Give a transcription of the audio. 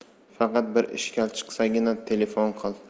faqat bir ishkal chiqsagina telpon qil